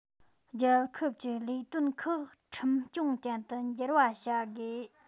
རྒྱལ ཁབ ཀྱི ལས དོན ཁག ཁྲིམས སྐྱོང ཅན དུ འགྱུར བ བྱ དགོས